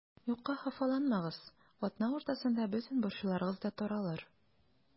Юкка хафаланмагыз, атна уртасында бөтен борчуларыгыз да таралыр.